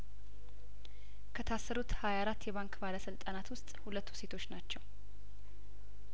ከታሰሩት ሀያ አራት የባንክ ባለስልጣናት ውስጥ ሁለቱ ሴቶች ናቸው